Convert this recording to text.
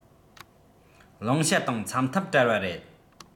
བླང བྱ དང འཚམ ཐབས བྲལ བ རེད